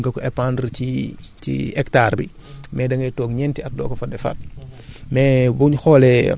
loolu tamit mun na nekk mais daal ñu jàpp ne bu ñu la joxandewoo quatre cent kilos mën nga ko épandre ci ci hectare bi